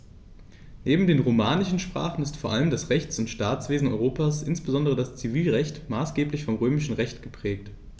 Neben den romanischen Sprachen ist vor allem das Rechts- und Staatswesen Europas, insbesondere das Zivilrecht, maßgeblich vom Römischen Recht geprägt.